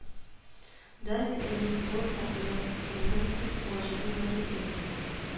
Дарвин эволюцион тәгълиматының төп положениеләрен әйтегез